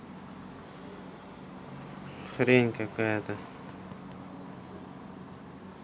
хрень какая то